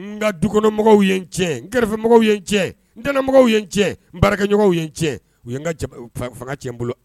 N ga dukɔnɔmɔgɔw ye n tiɲɛ n kɛrɛfɛmɔgɔw ye n tiɲɛ n danamɔgɔw ye n tiɲɛ n baarakɛɲɔgɔnw ye n tiɲɛ u ye nka jab e fa fanga tiɲɛ n bolo